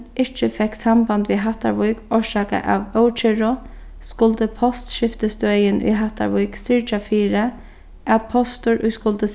ikki fekk samband við hattarvík orsakað av ókyrru skuldi postskiftisstøðin í hattarvík syrgja fyri at postur ið skuldi